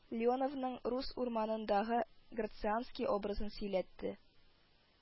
Леоновныө «Рус урманы»ндагы Грацианский образын сөйләтте